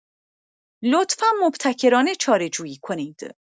لطفا مبتکرانه چاره‌جویی کنید.